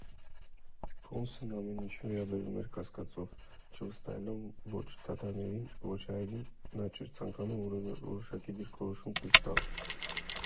Կոմսն ամեն ինչին վերաբերվում էր կասկածով՝ չվստահելով ո՛չ թաթարներին, ո՛չ հայերին, նա չէր ցանկանում որևէ որոշակի դիրքորոշում ցույց տալ։